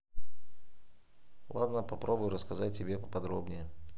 ладно попробую рассказать тебе поподробнее